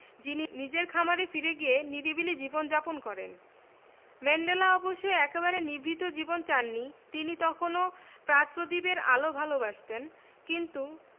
তাঁর যিনি নিজের খামারে ফিরে গিয়ে নিরিবিলি জীবন যাপন করেন ম্যান্ডেলা অবশ্য একেবারে নিভৃত জীবন চাননি তিনি তখনো প্রাদপ্রদীপের আলো ভালোবাসতেন কিন্তু